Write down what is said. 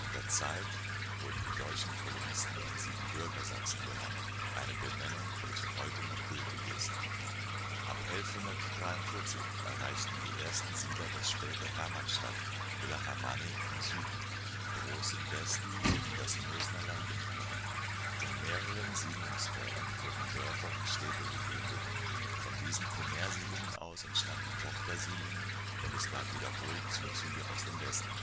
der Zeit wurden die deutschen Kolonisten dann „ Siebenbürger Sachsen “genannt, eine Benennung, welche heute noch gültig ist. Ab 1143 erreichten die ersten Siedler das spätere Hermannstadt (villa Hermanni) im Süden, Broos im Westen sowie das Nösnerland im Norden. In mehreren Siedlungswellen wurden Dörfer und Städte gegründet. Von diesen Primärsiedlungen aus entstanden Tochtersiedlungen und es gab wiederholt Zuzüge aus dem Westen